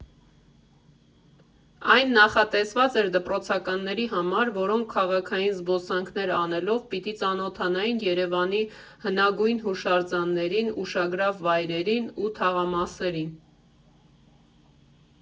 Այն նախատեսված էր դպրոցականների համար, որոնք քաղաքային զբոսանքներ անելով՝ պիտի ծանոթանային Երևանի հնագույն հուշարձաններին, ուշագրավ վայրերին ու թաղամասերին։